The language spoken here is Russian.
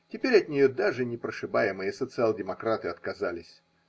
Теперь от нее даже непрошибаемые социал-демократы отказались.